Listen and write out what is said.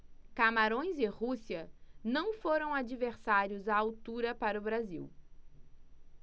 camarões e rússia não foram adversários à altura para o brasil